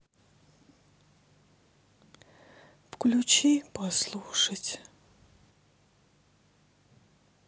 включи послушать